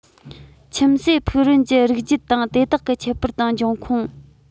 ཁྱིམ གསོས ཕུག རོན གྱི རིགས རྒྱུད དང དེ དག གི ཁྱད པར དང འབྱུང ཁུངས